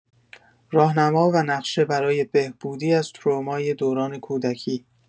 راهنما و نقشه برای بهبودی از ترومای دوران کودکی